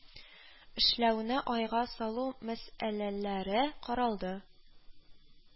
Эшләүне айга салу мәсьәләләре каралды